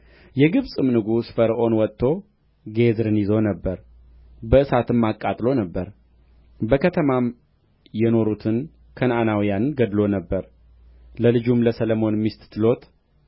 የግብጽም ንጉሥ ፈርዖን ወጥቶ ጌዝርን ይዞ ነበር በእሳትም አቃጥሎ ነበር በከተማም የኖሩትን ከነዓናውያን ገድሎ ነበር ለልጁም ለሰሎምን ሚስት ትሎት